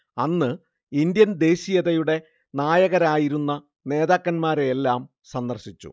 അന്ന് ഇൻഡ്യൻ ദേശീയതയുടെ നായകരായിരുന്ന നേതാക്കന്മാരെയെല്ലാം സന്ദർശിച്ചു